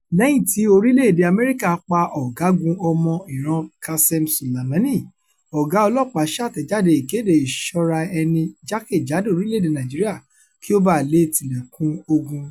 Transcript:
Lẹ́yìn tí orílẹ̀-èdèe Amẹ́ríkà pa Ọ̀gágun ọmọ Iran Qasem Soleimani, ọ̀gá ọlọ́pàá ṣàtẹ̀jáde ìkéde ìṣọ́ra-ẹni jákèjádò orílẹ̀-èdè Nàìjíríà kí ó ba lè tilẹ̀kùn "ogun".